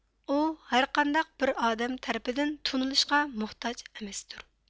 ئۇ ھەرقانداق بىر ئادەم تەرىپىدىن تونۇلۇشقا موھتاج ئەمەستۇر